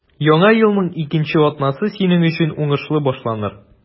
Яңа елның икенче атнасы синең өчен уңышлы башланыр.